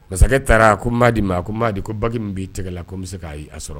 Masakɛ taara a ko Maadi ma a ko Maadi ko bague min b'i tɛgɛ la ko n be se k'a ye a sɔrɔ